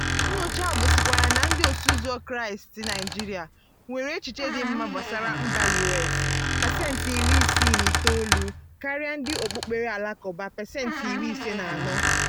Nnyocha ahụ gosikwara na Ndị Osoụzọ Kraịstị Naịjirịa "nwere echiche dị mma gbasara mba US (pasentị iri isii na itoolu ) karịa ndị Okukpere Alakụba (pasentị iri ise na anọ )".